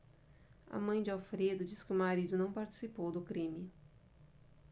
a mãe de alfredo diz que o marido não participou do crime